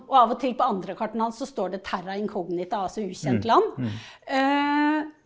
og av og til på andre kartene hans så står det Terra Incognita, altså ukjent land .